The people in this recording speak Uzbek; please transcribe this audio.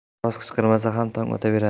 xo'roz qichqirmasa ham tong otaveradi